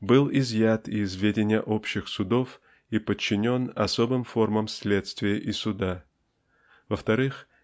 был изъят из ведения общих судов и подчинен особым формам следствия и суда во вторых